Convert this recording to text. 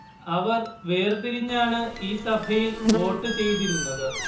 അവർ വേർതിരിഞ്ഞാണ് ഈ സഭയിൽ വോട്ടു ചെയ്തിരുന്നത്